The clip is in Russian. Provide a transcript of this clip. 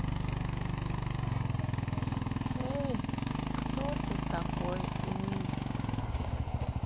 эй ты кто такой эй